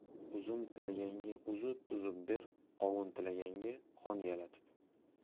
uzum tilaganga uzib uzib ber qovun tilaganga qon yalatib